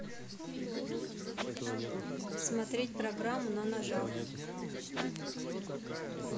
смотреть программу на ножах